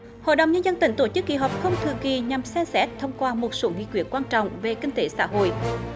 hội đồng nhân dân tỉnh tổ chức kỳ họp không thời kỳ nhằm xem xét thông qua một số nghị quyết quan trọng về kinh tế xã hội